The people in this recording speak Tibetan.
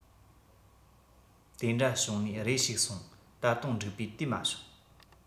དེ འདྲ བྱུང ནས རེ ཞིག སོང ད དུང འགྲིག པའི དུས མ བྱུང